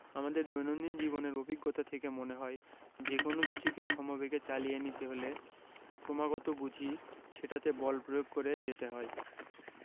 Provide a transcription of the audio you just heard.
আমাদের দৈনন্দিন জীবনের অভিজ্ঞতা থেকে মনে হয় যেকোনো কিছুকে সমবেগে চালিয়ে নিতে হলে ক্রমাগত বুঝি সেটাতে বল প্রয়োগ করে যেতে হয়